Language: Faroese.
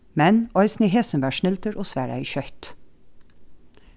men eisini hesin var snildur og svaraði skjótt